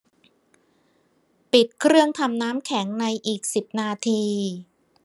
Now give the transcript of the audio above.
ปิดเครื่องทำน้ำแข็งในอีกสิบนาที